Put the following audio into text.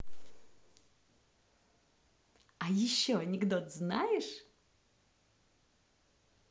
а еще анекдот знаешь